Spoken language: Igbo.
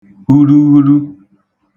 urughuru